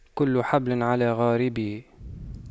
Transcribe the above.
كل حبل على غاربه